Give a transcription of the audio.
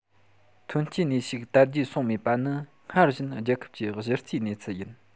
ཐོན སྐྱེད ནུས ཤུགས དར རྒྱས སོང མེད པ ནི སྔར བཞིན རྒྱལ ཁབ ཀྱི གཞི རྩའི གནས ཚུལ ཡིན